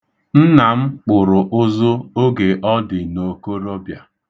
Nna m kpụrụ ụzụ oge ọ dị n’okorobia.